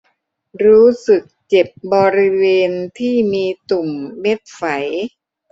รู้สึกเจ็บบริเวณที่มีตุ่มเม็ดไฝ